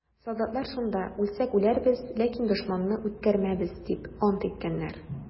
Солдатлар шунда: «Үлсәк үләрбез, ләкин дошманны үткәрмәбез!» - дип ант иткәннәр.